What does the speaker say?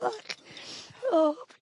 ...fach. O.